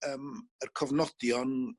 yym yr cofnodion